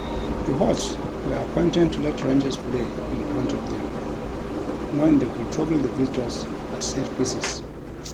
The hosts were content to let Rangers play in front of them, knowing they could trouble the visitors at set pieces.